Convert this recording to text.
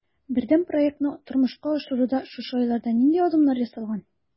Бердәм проектны тормышка ашыруда шушы айларда нинди адымнар ясалган?